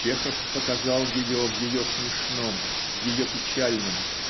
Чехов показал ее в ее смешном в ее печальном